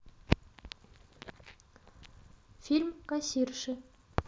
фильм кассирши